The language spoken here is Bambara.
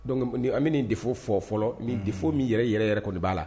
Dɔnkuc an bɛ nin defo fɔ fɔlɔ nin defo min yɛrɛ yɛrɛ yɛrɛ kɔni de b'a la